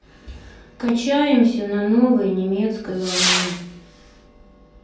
качаемся на новой немецкой волне